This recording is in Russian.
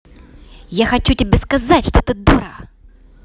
я хочу тебе сказать что ты дура